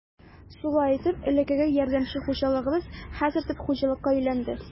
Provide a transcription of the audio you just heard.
Шулай итеп, элеккеге ярдәмче хуҗалыгыбыз хәзер төп хуҗалыкка әйләнде.